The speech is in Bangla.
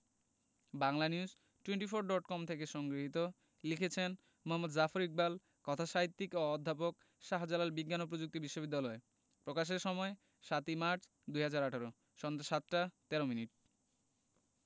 বাংলানিউজ টোয়েন্টিফোর ডট কম থেকে সংগৃহীত লিখেছেন মুহাম্মদ জাফর ইকবাল কথাসাহিত্যিক ও অধ্যাপক শাহজালাল বিজ্ঞান ও প্রযুক্তি বিশ্ববিদ্যালয় প্রকাশের সময় ০৭মার্চ ২০১৮ সন্ধ্যা ৭টা ১৩ মিনিট